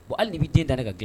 Hali b'i den da ne ka gɛlɛn